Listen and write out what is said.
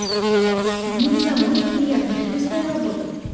мне и самой это приятно люблю свою работу